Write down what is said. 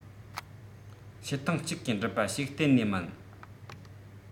བྱེད ཐེངས གཅིག གིས འགྲུབ པ ཞིག གཏན ནས མིན